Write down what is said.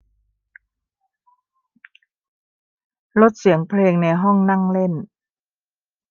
ลดเสียงเพลงในห้องนั่งเล่น